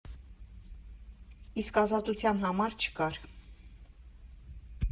Իսկ ազատության համար չկար։